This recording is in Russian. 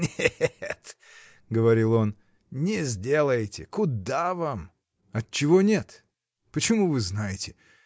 — Нет, — говорил он, — не сделаете: куда вам! — Отчего нет? почему вы знаете?